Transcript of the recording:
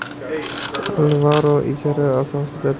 alvaro ijara asosida